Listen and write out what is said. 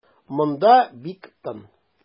Монда бик тын.